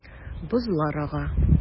Бозлар ага.